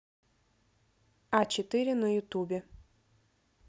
а четыре на ютубе